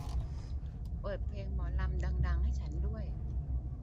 เปิดเพลงหมอลำดังดังให้ฉันด้วย